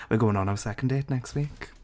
We're going on our second date next week.